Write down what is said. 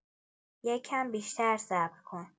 یه کم بیشتر صبر کن